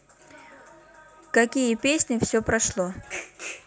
какие песни все прошло